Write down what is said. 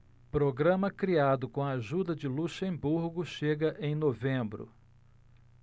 programa criado com a ajuda de luxemburgo chega em novembro